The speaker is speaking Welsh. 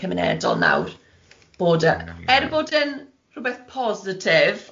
cymunedol nawr bod e- er bod e'n rywbeth positif o ran